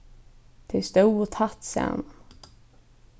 tey stóðu tætt saman